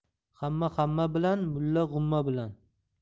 hamma hamma bilan mulla g'umma bilan